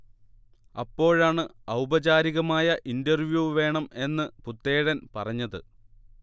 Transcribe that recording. അപ്പോഴാണ് ഔപചാരികമായ ഇന്റർവ്യൂ വേണം എന്ന് പുത്തേഴൻ പറഞ്ഞത്